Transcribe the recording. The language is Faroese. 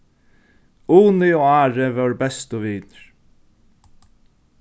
uni og ári vóru bestu vinir